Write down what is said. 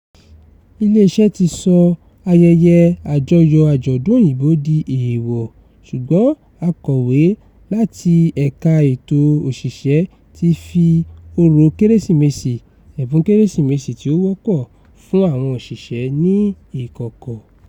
Ilé-iṣẹ́ ti sọ ayẹyẹ àjọyọ̀ àjọ̀dún Òyìnbó di èèwọ̀. Ṣùgbọ́n akọ̀wé láti ẹ̀ka ètò-òṣìṣẹ́ ti fi òró Kérésìmesì (ẹ̀bùn Kérésìmesì tí ó wọ́pọ̀) fún àwọn òṣìṣẹ́ ní ìkọ̀kọ̀.